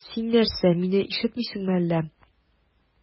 Син нәрсә, мине ишетмисеңме әллә?